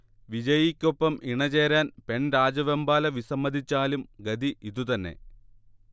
വിജയ്ക്കൊപ്പം ഇണചേരാൻ പെൺരാജവെമ്പാല വിസമ്മതിച്ചാലും ഗതി ഇതുതന്നെ